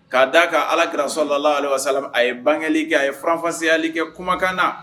K'a d'a kan alakira sola laahu aleyihi a bangeli kɛ a ye fanfasiyali kɛ kumakan na